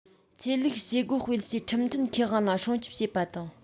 ཆོས ལུགས བྱེད སྒོ སྤེལ སའི ཁྲིམས མཐུན ཁེ དབང ལ སྲུང སྐྱོབ བྱེད པ དང